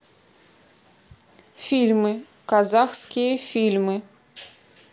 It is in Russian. фильмы казахские фильмы